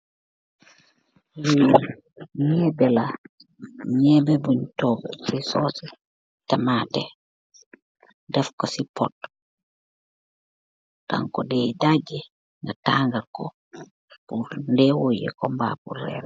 Lii njeehbeh la, njeehbeh bungh tohgu chi sauce cii tamateh, deff kor cii pot, dankoh dae daaji nga tangal kor pur ndewor yehkor mba pur rerre.